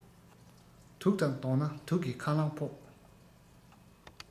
དུག དང བསྡོངས ན དུག གི ཁ རླངས ཕོག